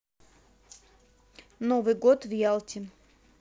новый год в ялте